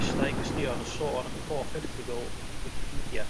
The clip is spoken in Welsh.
gwestai gwestion yn sôn am 'i hoff erthygl wicipedia